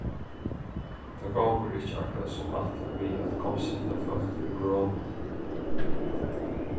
tað gongur ikki akkurát sum ætlað við at koppseta fólk fyri koronu